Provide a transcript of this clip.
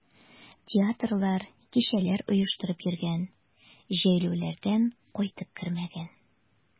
Театрлар, кичәләр оештырып йөргән, җәйләүләрдән кайтып кермәгән.